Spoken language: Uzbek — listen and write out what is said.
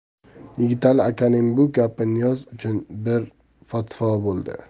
yigitali akaning bu gapi niyoz uchun bir fatvo bo'ldi